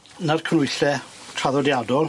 'Na'r canwylle traddodiadol.